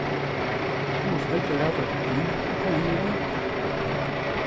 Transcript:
tú mást heldur lata teg í og koma niðurundir